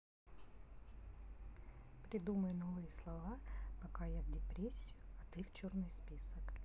придумай новые слова пока я в депрессию а ты в черный список